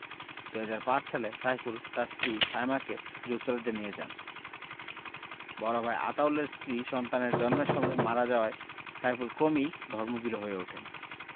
২০০৫ সালে সাইফুল তাঁর স্ত্রী সায়মাকে যুক্তরাজ্যে নিয়ে যান বড় ভাই আতাউলের স্ত্রী সন্তান জন্মের সময় মারা যাওয়ার পর থেকে সাইফুল কমেই ধর্মভীরু হয়ে ওঠেন